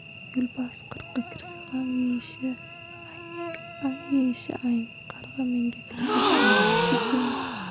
yo'lbars qirqqa kirsa ham yeyishi ang qarg'a mingga kirsa ham yeyishi go'ng